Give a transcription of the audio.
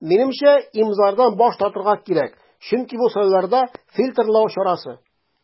Минемчә, имзалардан баш тартырга кирәк, чөнки бу сайлауларда фильтрлау чарасы.